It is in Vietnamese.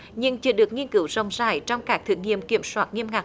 nhưng chưa được nghiên cứu rộng rãi trong các thử nghiệm kiểm soát nghiêm ngặt